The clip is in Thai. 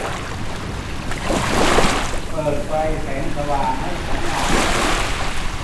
เปิดไฟแสงสว่างให้ฉันหน่อย